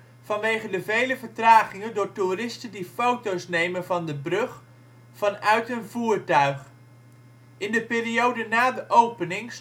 vanwege de vele vertragingen door toeristen die foto 's nemen van de brug vanuit hun voertuig. In de periode na de opening